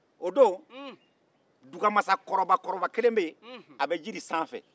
o don dugamasa kɔrɔba kelen bɛ jiri sanfɛ